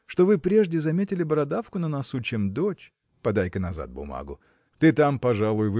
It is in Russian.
– что вы прежде заметили бородавку на носу чем дочь. – Подай-ка назад бумагу. Ты там пожалуй